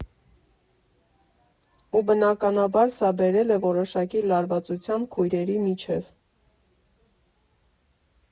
Ու, բնականաբար, սա բերել է որոշակի լարվածության քույրերի միջև։